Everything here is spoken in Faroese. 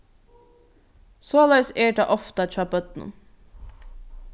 soleiðis er tað ofta hjá børnum